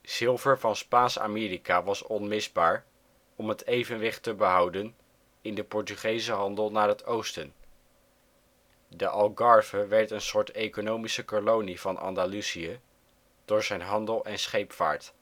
Zilver van Spaans Amerika was onmisbaar om het evenwicht te behouden in de Portugese handel naar het Oosten. De Algarve werd een soort economische kolonie van Andalusië door zijn handel en scheepvaart